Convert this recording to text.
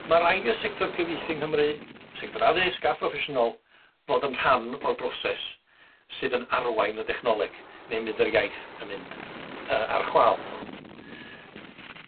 Ma' raid i'r sector cyfieithu yng Nghymru, sector addysg a phroffesiynol, fod yn rhan o'r broses sydd yn arwain y dechnoleg, neu mynd yr iaith a mynd yy ar chwâl.